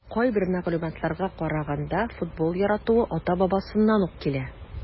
Кайбер мәгълүматларга караганда, футбол яратуы ата-бабасыннан ук килә.